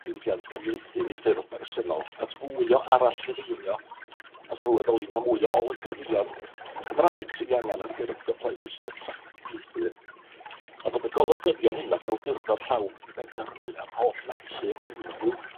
diwydiant cyfieithu yn ei ffurf bersynol at fwy o arallgyfeirio a sylweddoli ma' mwy o olygyddion Cymraeg sydd 'i angan ar gyrff gyhoeddus yn ytrach na cyfieithwyr, a bod y golygyddion hyn ac awdurdod llawn i benderfynu ar holl natur unrhyw